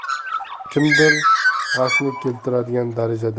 kimdir g'ashni keltiradigan